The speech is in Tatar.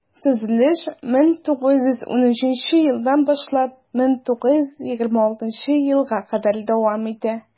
Төзелеш 1913 елдан башлап 1926 елга кадәр дәвам итә.